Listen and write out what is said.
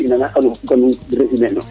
ken bug uma ley fop kan resumer yo